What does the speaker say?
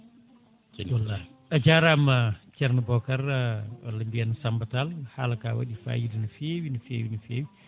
wallahi a jarama ceerno Bocar walla mbiyen Samba Sall haalaka waɗi fayida no fewi no fewi no fewi no fewi